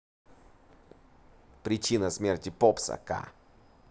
причина смерти попса ка